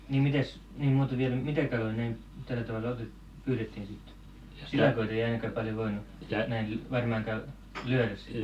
niin mitäs niin muuten vielä mitä kaloja ne tällä tavalla - pyydettiin sitten silakoita ei ainakaan paljon voinut näin varmaankaan lyödä sitten